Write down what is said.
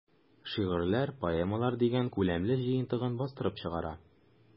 "шигырьләр, поэмалар” дигән күләмле җыентыгын бастырып чыгара.